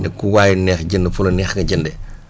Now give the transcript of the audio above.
ne ku waay neex jënd fu la neex nga jëndee